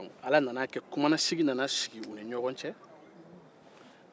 ala nana a kumalasigi nana tɛmɛ u ni ɲɔgɔn cɛ